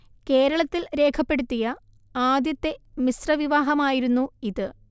കേരളത്തിൽ രേഖപ്പെടുത്തിയ ആദ്യത്തെ മിശ്രവിവാഹമായിരുന്നു ഇത്